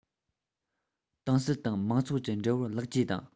ཏང སྲིད དང མང ཚོགས ཀྱི འབྲེལ བར ལེགས བཅོས དང